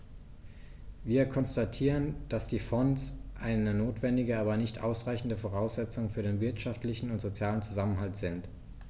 Wir konstatieren, dass die Fonds eine notwendige, aber nicht ausreichende Voraussetzung für den wirtschaftlichen und sozialen Zusammenhalt sind.